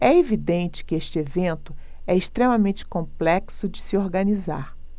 é evidente que este evento é extremamente complexo de se organizar